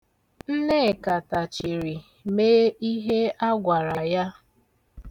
Nneka tachiri mee ihe agwara ya.